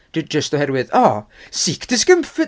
j- jyst oherwydd, o seek discomfort!